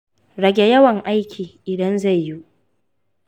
rage yawan-aiki idan zai yiwu